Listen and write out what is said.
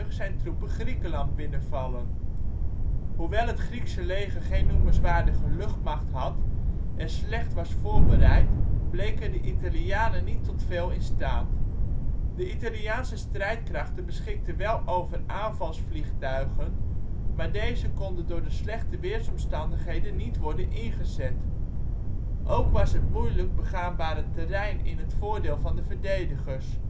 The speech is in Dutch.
zijn troepen Griekenland binnenvallen. Hoewel het Griekse leger geen noemenswaardige luchtmacht had en slecht was voorbereid bleken de Italianen niet tot veel in staat. De Italiaanse strijdkrachten beschikten wel over aanvalsvliegtuigen, maar deze konden door de slechte weersomstandigheden niet worden ingezet. Ook was het moeilijk begaanbare terrein in het voordeel van de verdedigers